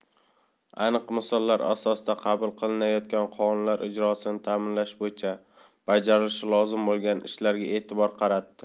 aniq misollar asosida qabul qilinayotgan qonunlar ijrosini ta'minlash bo'yicha bajarilishi lozim bo'lgan ishlarga e'tibor qaratdi